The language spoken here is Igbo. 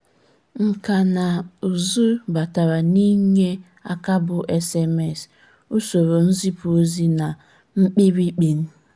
Nkà na ụzụ batara n'ịnye aka bụ SMS (Usoro Nzipụ Ozi na Mkpirikpi).